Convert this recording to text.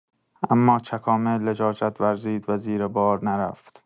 اما چکامه لجاجت ورزید و زیر بار نرفت.